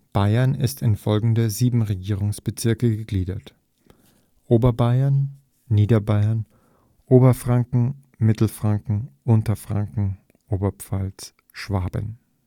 Bayern ist in 7 Regierungsbezirke gegliedert: Oberbayern, Niederbayern, Oberfranken, Mittelfranken, Unterfranken, Oberpfalz, Schwaben